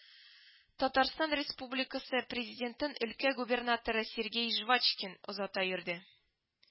ТР Президентын өлкә губернаторы Сергей Жвачкин озата йөрде